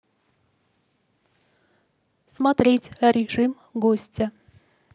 смотреть режим гостя